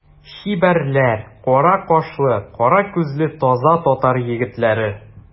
Чибәрләр, кара кашлы, кара күзле таза татар егетләре.